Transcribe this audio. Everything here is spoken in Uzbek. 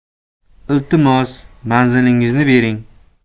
iltimos manzilingizni bersangiz